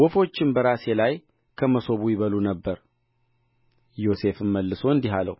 ወፎችም በራሴ ላይ ከመሶቡ ይበሉ ነበር ዮሴፍም መልሶ እንዲህ አለው